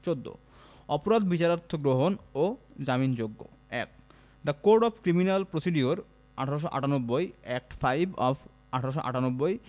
১৪ অপরাধ বিচারার্থ গ্রহণ এবং জামিনযোগ্যঃ ১ the code of criminal procedure ১৮৯৮ act five of ১৮৯৮